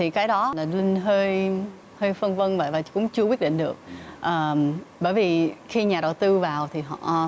thì cái đó là linh hơi hơi phân vân bởi vậy cũng chưa quyết định được à bởi vì khi nhà đầu tư vào thì họ